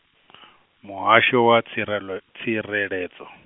Muhasho wa Tsirelwe-, Tsireledzo.